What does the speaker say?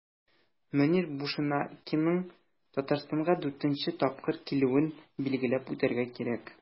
Мөнир Бушенакиның Татарстанга 4 нче тапкыр килүен билгеләп үтәргә кирәк.